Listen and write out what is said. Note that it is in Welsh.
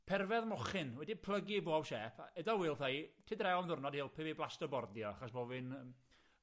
perfedd mochyn, wedi 'u plygu i bob siêp, a ada Wil 'tha i tud draw am ddiwrnod i elpu fi blasto bordio, achos bo' fi'n yym